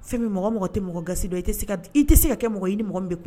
Fɛn min mɔgɔ mɔgɔ tɛ mɔgɔ gasi dɔn i tɛ se k'a i tɛ se k'a kɛ mɔgɔ ye, i ni mɔgɔ min bɛ